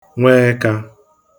nwẹẹkā